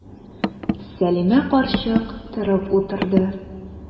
Сәлимә карчык торып утырды.